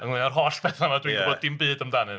ynglŷn â'r holl beth 'ma dwi'n gwbod dim byd amdanyn nhw.